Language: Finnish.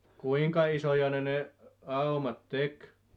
kuinka isoja ne ne aumat teki